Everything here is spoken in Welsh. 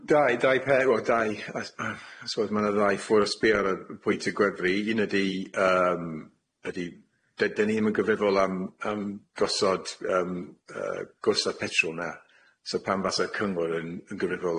W- ddau ddau pê- wel ddau ys- yy so ma' na ddau ffwrdd sbio ar y pwynt y gweddru un ydi yym ydi d- dyn ni ddim yn gyfrifol am yym gosod yym yy gwrs y petrol na so pan fasa cyngor yn yn gyfrifol